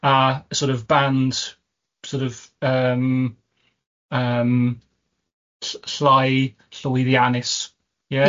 a sort of band sort of yym yym ll- llai llwyddiannus, ie?